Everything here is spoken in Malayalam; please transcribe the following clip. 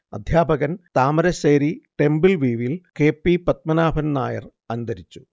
അധ്യാപകൻ താമരശ്ശേരി ടെമ്പിൾവ്യൂവിൽ കെ. പി. പദ്മനാഭൻനായർ അന്തരിച്ചു